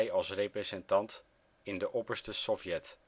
als representant in de Opperste sovjet